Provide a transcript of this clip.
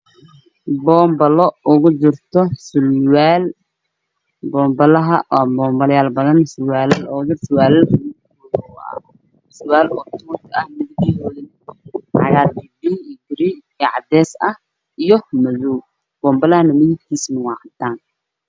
Waa banbalo waxaa ku jiro surwaal toota tuuta ah oo ciidan camal ah midafkiisa waa caddaan dhul cadaan ayuu yaalaa